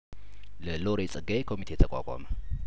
ለሎሬት ጸጋዬ ኮሚቴ ተቋቋመ